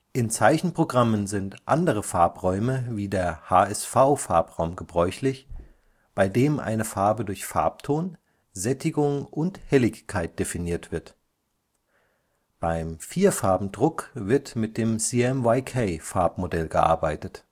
In Zeichenprogrammen sind andere Farbräume wie der HSV-Farbraum gebräuchlich, bei dem eine Farbe durch Farbton, Sättigung und Helligkeit definiert wird. Beim Vierfarbendruck wird mit dem CMYK-Farbmodell gearbeitet